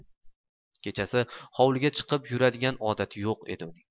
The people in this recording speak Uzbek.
kechasi hovliga chiqib yuradigan odati yo'q edi uning